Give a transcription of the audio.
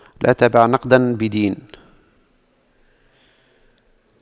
لا تبع نقداً بدين